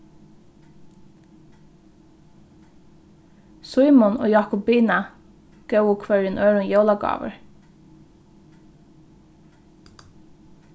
símun og jakobina góvu hvørjum øðrum jólagávur